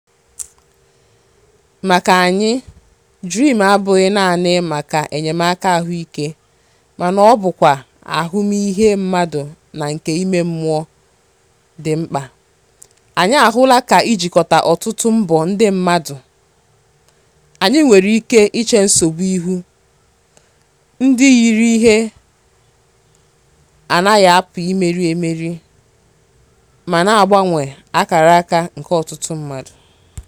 PG: Maka anyị DREAM abụghị naanị maka enyemaka ahụike mana ọ bụkwa ahụmihe mmadụ na nke ime mmụọ dị mkpa: anyị ahụla ka ijikọta ọtụtụ mbọ ndị mmadụ anyị nwere ike iche nsogbu ihu ndị yiri ihe a na-apụghị imeri emeri, ma na-agbanwe akaraka nke ọtụtụ mmadụ.